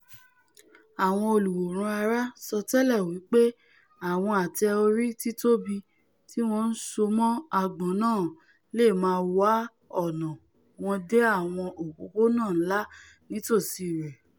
Àwọn olùwòran àrà sọtẹ́lẹ̀ wí pé àwọn ate-ori títóbi tíwọn ńsomó àgbọ̀n náà leè máa wá ọ̀nà wọn dé àwọn òpópónà ńlá nítòsí rẹ̀.